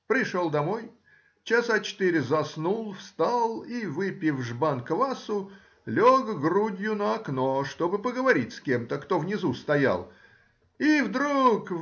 пришел домой, часа четыре заснул, встал и, выпив жбан квасу, лег грудью на окно, чтобы поговорить с кем-то, кто внизу стоял, и вдруг.